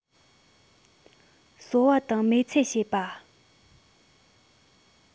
སོ བ དང མེལ ཚེ བྱེད པ